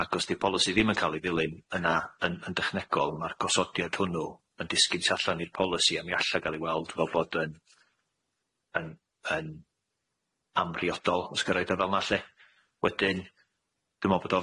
ag os di'r polisi ddim yn ca'l ei ddilyn yna yn yn dechnegol ma'r gosodiad hwnnw yn disgynt allan i'r polisi a mi alla ga'l ei weld fel fod yn yn yn amrhiodol os ga'l roid o fel ma' lle wedyn dwi me'wl bod o